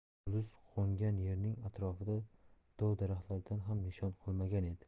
yulduz qo'ngan yerning atrofida dov daraxtlardan ham nishon qolmagan edi